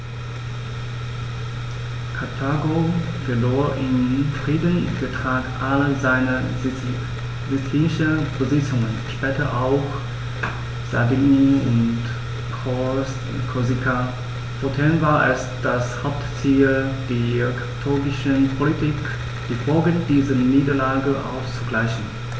Karthago verlor im Friedensvertrag alle seine sizilischen Besitzungen (später auch Sardinien und Korsika); fortan war es das Hauptziel der karthagischen Politik, die Folgen dieser Niederlage auszugleichen.